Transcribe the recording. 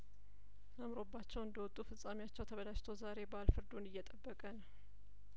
አምሮባቸው እንደወጡ ፍጻሜያቸው ተበላሽቶ ዛሬባል ፍርዱን እየጠበቀ ነው